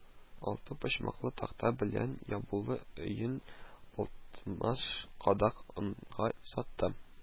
Алты почмаклы, такта белән ябулы өен алтмыш кадак онга сатты